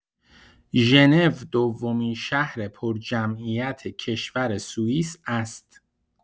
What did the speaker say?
ژنو دومین شهر پرجمعیت کشور سوئیس است.